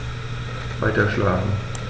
Weiterschlafen.